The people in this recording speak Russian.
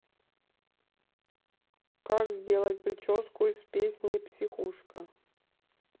как сделать прическу из песни психушка